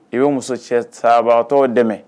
I bɛ muso cɛ sabatɔ dɛmɛ